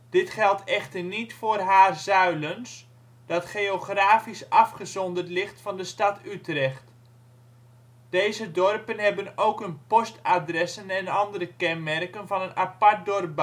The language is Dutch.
Dit geldt echter niet voor Haarzuilens dat geografisch afgezonderd ligt van de stad Utrecht. Deze dorpen hebben ook hun postadressen en andere kenmerken van een apart dorp behouden